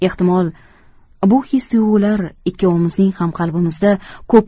ehtimol bu his tuyg'ular ikkovimizning ham qalbimizda ko'pdan